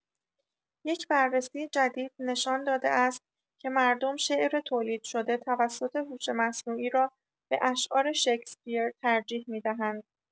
یک بررسی جدید نشان داده است که مردم شعر تولیدشده توسط هوش مصنوعی را به اشعار شکسپیر ترجیح می‌دهند.